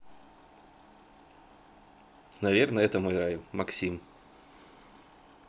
наверно это мой рай макsим